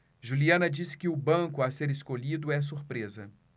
juliana disse que o banco a ser escolhido é surpresa